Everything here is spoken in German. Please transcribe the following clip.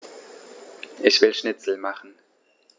Ich will Schnitzel machen.